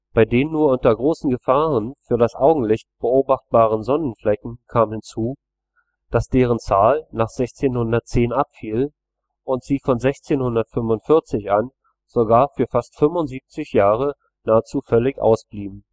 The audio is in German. Bei den nur unter großen Gefahren für das Augenlicht beobachtbaren Sonnenflecken kam hinzu, dass deren Zahl nach 1610 abfiel und sie von 1645 an sogar für fast 75 Jahre nahezu völlig ausblieben